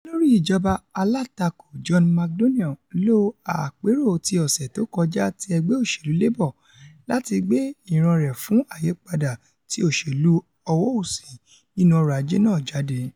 Olórí Ìjọba Alátakò John McDonnell lo àpérò ti ọ̀sẹ̀ tókọjá ti Ẹgbẹ Òṣèlú Labour láti gbé ìran rẹ̀ fún àyipadà ti òṣèlu ọwọ-òsì nínú ọrọ̀-ajé náà jade.